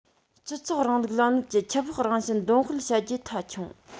སྤྱི ཚོགས རིང ལུགས ལམ ལུགས ཀྱི ཁྱད འཕགས རང བཞིན འདོན སྤེལ བྱ རྒྱུ མཐའ འཁྱོངས